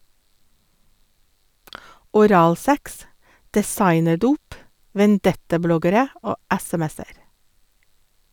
Oralsex, designerdop, vendettabloggere og sms-er.